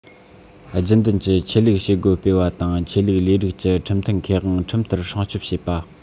རྒྱུན ལྡན གྱི ཆོས ལུགས བྱེད སྒོ སྤེལ བ དང ཆོས ལུགས ལས རིགས ཀྱི ཁྲིམས མཐུན ཁེ དབང ཁྲིམས ལྟར སྲུང སྐྱོང བྱེད པ